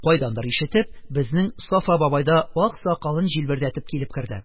Кайдандыр ишетеп, безнең Сафа бабай да ак сакалын җилбердәтеп килеп керде.